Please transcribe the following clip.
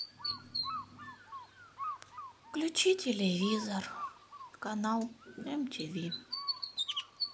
включи телевизор канал мтв